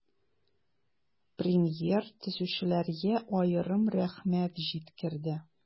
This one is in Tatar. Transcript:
Премьер төзүчеләргә аерым рәхмәт җиткерде.